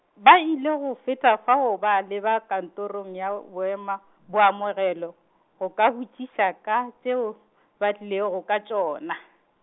ba ile go feta fao ba leba kantorong ya boema-, boamogelo, go ka botšiša ka tšeo, ba tlilego ka tšona.